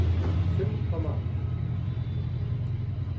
fimm bananir